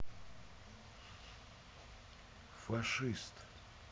фашист